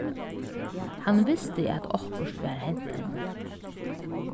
hann visti at okkurt var hent henni